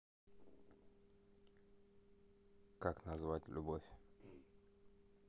как назвать любовь